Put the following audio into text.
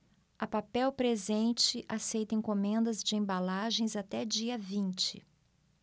a papel presente aceita encomendas de embalagens até dia vinte